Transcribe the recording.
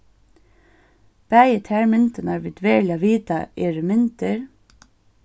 bæði tær myndirnar vit veruliga vita eru myndir